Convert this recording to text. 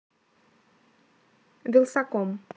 wylsacom